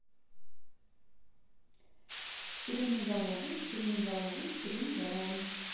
сиреноголовый сиреноголовый сиреноголовый